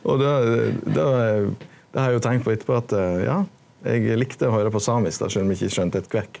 og det det det har eg jo tenkt på etterpå at ja eg likte å høyra på samisk då sjølv om eg ikkje skjønte eit kvekk.